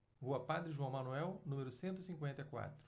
rua padre joão manuel número cento e cinquenta e quatro